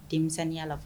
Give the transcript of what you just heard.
Denmisɛnninya